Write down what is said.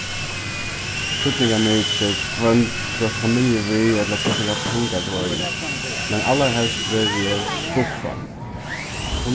týdningarmikið hvønn tú ert í familju við ella hvussu nógvar pengar tú eigur men allarhelst verði eg skuffað